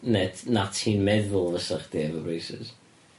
ne t- na ti'n meddwl fysa chdi efo braces.